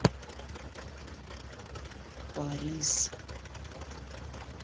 парис